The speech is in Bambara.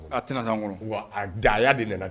A tɛna kan kɔnɔ, wa a da ya de